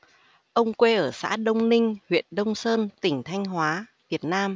ông quê ở xã đông ninh huyện đông sơn tỉnh thanh hóa việt nam